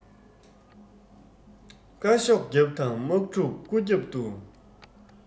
བཀའ ཤོག རྒྱབ དང དམག ཕྲུག སྐུ རྒྱབ ཏུ